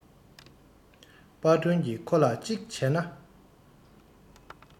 དཔལ སྒྲོན གྱིས ཁོ ལ གཅིག བྱས ན